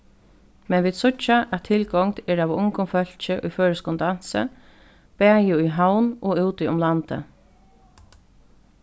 men vit síggja at tilgongd er av ungum fólki í føroyskum dansi bæði í havn og úti um landið